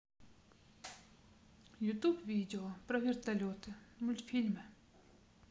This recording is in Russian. ютюб видео про вертолеты мультфильмы